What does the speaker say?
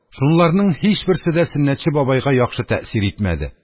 Шунларның һичберсе дә Сөннәтче бабайга яхшы тәэсир итмәде.